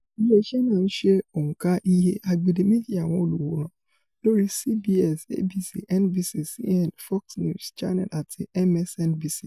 Ilé-iṣẹ́ náà ńṣe òǹka iye agbedeméjì àwọn olùwòran lórí CBS, ABC, NBC, CNN, Fox News, Channel àti MSNBC.